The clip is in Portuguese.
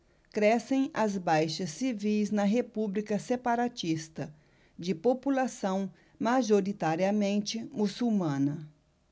crescem as baixas civis na república separatista de população majoritariamente muçulmana